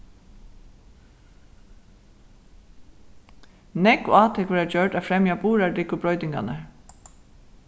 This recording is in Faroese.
nógv átøk verða gjørd at fremja burðardyggu broytingarnar